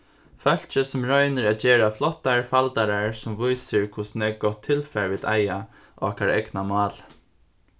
fólkið sum roynir at gera flottar faldarar sum vísir hvussu nógv gott tilfar vit eiga á okkara egna máli